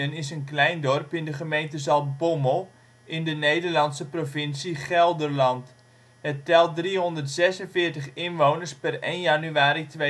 is een klein dorp in de gemeente Zaltbommel, in de Nederlandse provincie Gelderland. Het dorp telt 346 inwoners (per 1 januari 2010